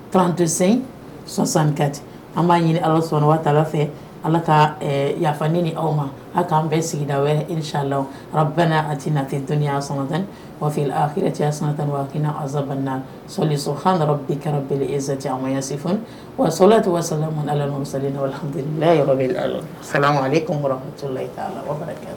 Tran tɛ sansanti an b'a ɲini ala sɔnna ta ala fɛ ala ka yafa ni ni aw ma k'an bɛɛ sigida wɛrɛ la ala a ti nat tniya san tanfi cɛya san taninasaban sɔli sɔrɔ an kɛra ez an mase wa sɔla tɛ sa la